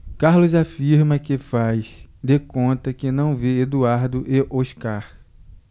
carlos afirma que faz de conta que não vê eduardo e oscar